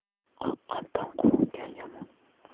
qo'rqqandan quvongan yomon